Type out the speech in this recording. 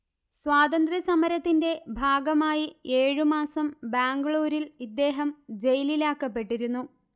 സ്വാതന്ത്ര സമരത്തിന്റെ ഭാഗമായി ഏഴുമാസം ബാംഗ്ലൂരിൽ ഇദ്ദേഹം ജയിലിലാക്കപ്പെട്ടിരുന്നു